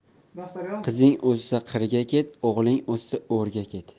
qizing o'ssa qirga ket o'g'ling o'ssa o'rga ket